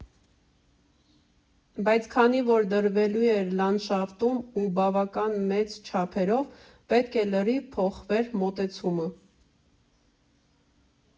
Բայց քանի որ դրվելու էր լանդշաֆտում ու բավական մեծ չափերով, պետք է լրիվ փոխվեր մոտեցումը։